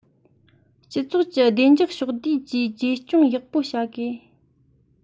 སྤྱི ཚོགས ཀྱི བདེ འཇགས ཕྱོགས བསྡུས ཀྱིས བཅོས སྐྱོང ཡག པོ བྱ དགོས